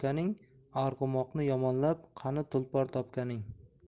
topganing arg'umoqni yomoniab qani tulpor topganing